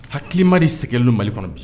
Hakilima de sɛgɛnnen don Mali kɔnɔ bi